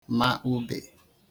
ma ubè